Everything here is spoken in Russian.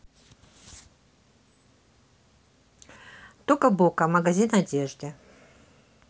тока бока магазин одежды